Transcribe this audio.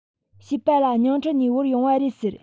བཤད པ ལ ཉིང ཁྲི ནས དབོར ཡོང བ རེད ཟེར